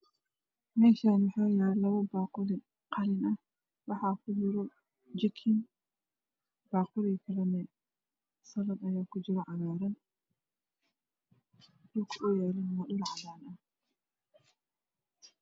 Meeshaan waxaa yaalo laba baaquli mid waxaa ku jiro jikin mid kalana waxaa ku jiro salar cagaaran waxaa ag yaala koob caddan ah